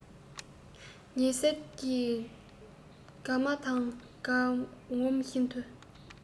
ཉི ཟེར གྱི དགའ མ དང དགར ངོམ བཞིན དུ